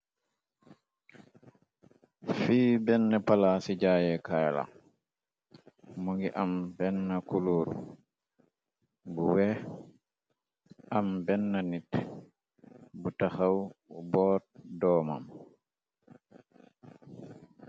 Fii benn palaas ci jaayeekaay la, mu ngi am benn kuloor bu weex, am benna nit bu taxaw boot doomam.